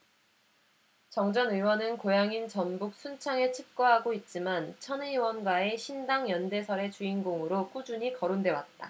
정 전 의원은 고향인 전북 순창에 칩거하고 있지만 천 의원과의 신당 연대설의 주인공으로 꾸준히 거론돼왔다